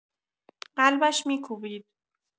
قلبش می‌کوبید.